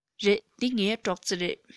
རེད འདི ངའི སྒྲོག རྩེ རེད